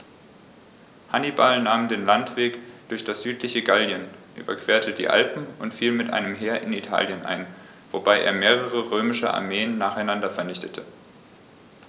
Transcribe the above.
Hannibal nahm den Landweg durch das südliche Gallien, überquerte die Alpen und fiel mit einem Heer in Italien ein, wobei er mehrere römische Armeen nacheinander vernichtete.